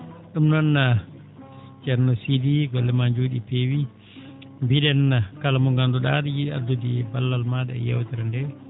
Ɗum noon ceerno Sidy golle maa njooɗii peewi mbiiɗen kala mo ngannduɗaa no yiɗi addude ballal maaɗa e yeewtere ndee